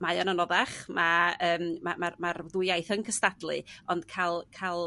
mae o'n anoddach ma' yym ma' ma'r ma'r ddwy iaith yn cystadlu ond ca'l ca'l